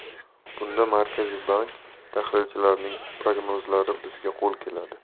bunda markaziy bank tahlilchilarining prognozlari bizga qo'l keladi